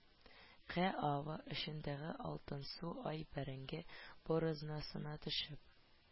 Гә ава, очындагы алтынсу ай бәрәңге буразнасына төшеп